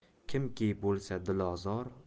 kimki bo'lsa dilozor undan